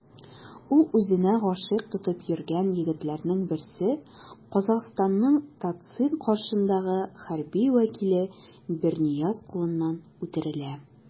Ул үзенә гашыйк тотып йөргән егетләрнең берсе - Казахстанның ТатЦИК каршындагы хәрби вәкиле Бернияз кулыннан үтерелә.